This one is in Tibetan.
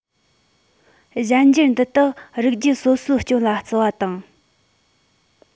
གཞན འགྱུར འདི དག རིགས རྒྱུད སོ སོའི སྐྱོན ལ བརྩི བ དང